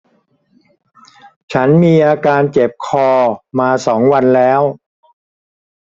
ฉันมีอาการเจ็บคอมาสองวันแล้ว